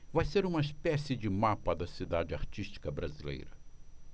vai ser uma espécie de mapa da cidade artística brasileira